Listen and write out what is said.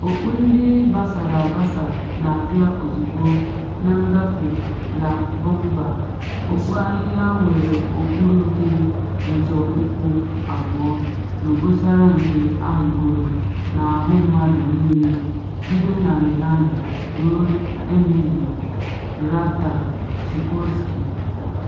Okpu ndị basara abasa na abịa ozugbo na ngafe ‘La Bomba’, okpu ahịhịa nwere okpuru dị nzọụkwụ abụọ n’obosara nke ahụgoro n’ahụ mmadụ niile bido na Rihanna ruo Emily Ratajkowski.